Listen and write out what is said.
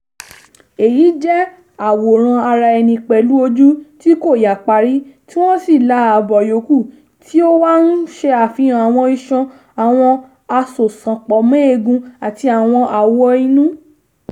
"[Èyí] jẹ́ àwòrán ara-ẹni pẹ̀lú ojú tí kò yà parí, tí wọ́n sì la ààbọ̀ yòókù, tí ó wá ń ṣàfihàn àwọn iṣan, àwọn asoṣanpọ̀méegun àti àwọn awọ inú.